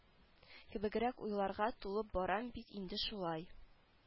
Кебегрәк уйларга тулып барам бит инде шулай